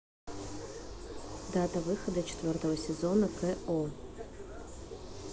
дата выхода четвертого сезона k o